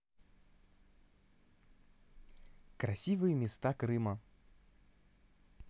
красивые места крыма